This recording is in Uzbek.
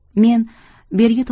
men berigi